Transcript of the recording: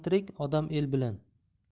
tirik odam el bilan